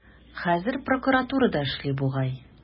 Хәзер прокуратурада эшли бугай.